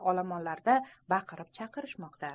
izdihomlarda baqirib chaqirishmoqda